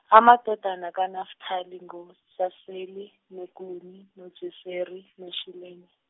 amadodana kaNafetali ngoJaseli, noGuni, noJeseri, noShilemi.